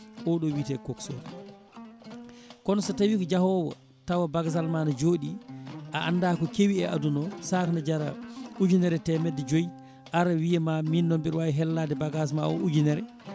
oɗo wiite coxeur kon so tawi ko jaahowo tawa bagage ma ne jooɗi a anda ko keewi e aduna o sac ne jaara ujunere e temedde joyyi ara wiima min noon mbiɗa wawi hellade bagage ma o ujunere